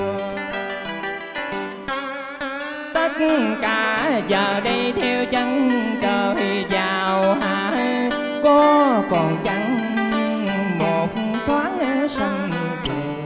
xẻ nửa tất cả giờ đây theo chân trời vào hạ có còn chăng một thoáng sân trường